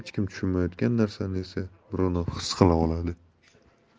kim tushunmayotgan narsani esa bruno his qila oladi